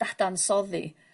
dadansoddi